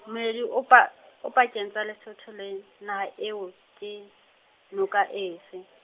moedi o pa-, o pakeng tsa Lesotho le, naha eo, ke, noka efe?